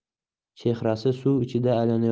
chehrasi suv ichida